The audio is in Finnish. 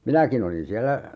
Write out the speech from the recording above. minäkin olin siellä